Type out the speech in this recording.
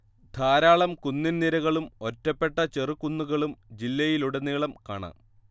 ധാരാളം കുന്നിൻ നിരകളും ഒറ്റപ്പെട്ട ചെറുകുന്നുകളും ജില്ലയിലുടനീളം കാണാം